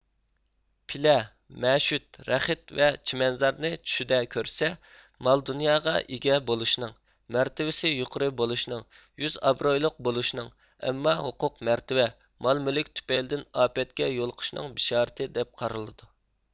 پىلە مەشۈت رەخت ۋە چىمەنزارنى چۈشىدە كۆرسە مال دۇنياغا ئىگە بولۇشنىڭ مەرتىۋىسى يۇقىرى بولۇشنىڭ يۈز ئابرۇيلۇق بولۇشنىڭ ئەمما ھوقوق مەرتىۋە مال مۈلۈك تۈپەيلىدىن ئاپەتكە يولۇقۇشنىڭ بىشارىتى دەپ قارىلىدۇ